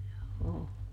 joo